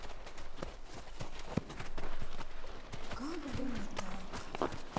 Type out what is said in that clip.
как бы не так